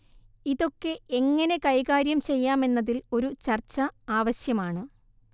ഇതൊക്കെ എങ്ങനെ കൈകാര്യം ചെയ്യാം എന്നതിൽ ഒരു ചർച്ച ആവശ്യമാണ്